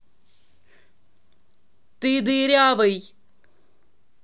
ты дырявый